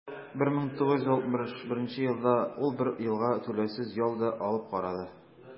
1961 елда ул бер елга түләүсез ял да алып карады.